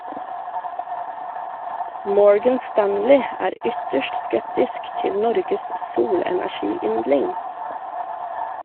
Morgan Stanley er ytterst skeptisk til Norges solenergiyndling.